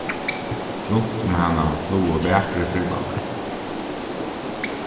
runt um hana flugu vakrir firvaldar